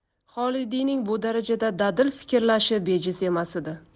xolidiyning bu darajada dadil fikrlashi bejiz emas edi